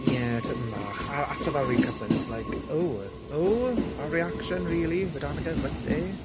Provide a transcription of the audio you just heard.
Ie, tipyn bach, a after that recoupling, it's like, "Ooh? Ooh, that reaction? Really? With Danica right there?"